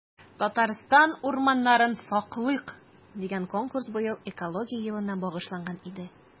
“татарстан урманнарын саклыйк!” дигән конкурс быел экология елына багышланган иде.